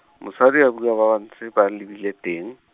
mosadi a bua ba ba ntse ba lebile teng.